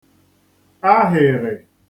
ahị̀rị̀